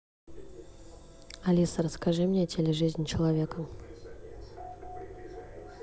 алиса расскажи мне о теле жизни человека